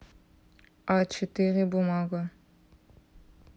а четыре бумага